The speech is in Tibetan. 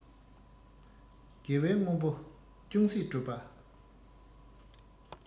དགེ བའི དངོས པོ ཅུང ཟད སྒྲུབ པ